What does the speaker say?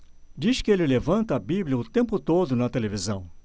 diz que ele levanta a bíblia o tempo todo na televisão